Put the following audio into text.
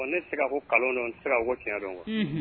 Ne se ka ko dɔn n tɛ se ka ko tiɲɛ dɔrɔn wa